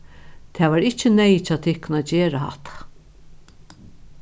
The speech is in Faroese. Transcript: tað var ikki neyðugt hjá tykkum at gera hatta